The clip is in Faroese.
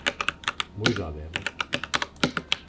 mýravegur